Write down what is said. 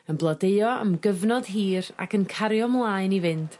Yn blodeuo am gyfnod hir ac yn cario mlaen i fynd